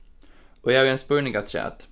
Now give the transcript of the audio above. og eg havi ein spurning afturat